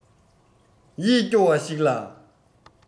ཡིད སྐྱོ བ ཞིག ལ